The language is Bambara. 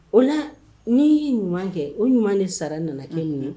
O laa n'ii ye ɲuman kɛ o ɲuman de sara nana kɛ unhun nin ye